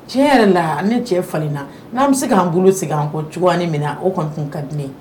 Tiɲɛ yɛrɛ la ne cɛ falen na n'an bɛ se k'an bolo sigi ko cogo minɛ o kan kun ka di